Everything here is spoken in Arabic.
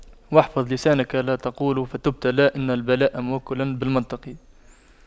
واحفظ لسانك لا تقول فتبتلى إن البلاء موكل بالمنطق